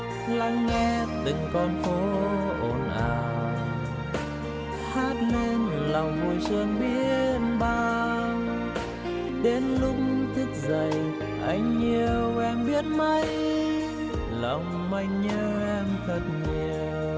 lắng nghe từng con phố ồn ào hát lên lòng vui sướng biết bao đến lúc thức dậy anh yêu em biết mấy lòng anh nhớ em thật nhiều